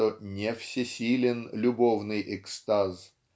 что "не всесилен любовный экстаз"